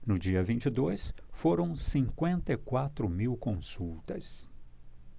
no dia vinte e dois foram cinquenta e quatro mil consultas